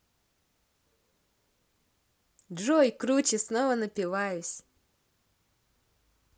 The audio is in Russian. джой круче снова напиваюсь